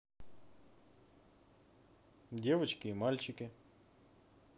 девочки и мальчики